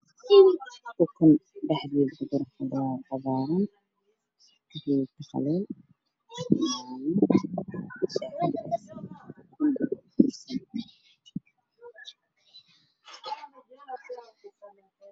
Waxaa ii muuqda piido kalarkiis yahay jaalo ku jiro weel madow ah miiska waa madow